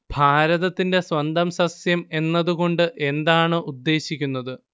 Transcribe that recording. ഭാരതത്തിന്റെ സ്വന്തം സസ്യം എന്നതു കൊണ്ട് എന്താണ് ഉദ്ദേശിക്കുന്നത്